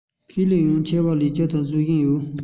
ཁས ལེན ཡང འཁྱེར ཡོང ནས ཅི ཞིག བཟོ བཞིན ཡོད